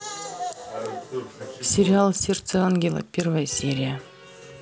сериал сердце ангела первая серия